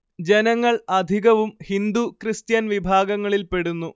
ജനങ്ങൾ അധികവും ഹിന്ദു ക്രിസ്ത്യൻ വിഭാഗങ്ങളിൽ പെടുന്നു